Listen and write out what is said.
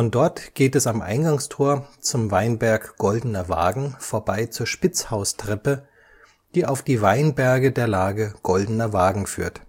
dort geht es am Eingangstor zum Weinberg Goldener Wagen vorbei zur Spitzhaustreppe, die auf die Weinberge der Lage Goldener Wagen führt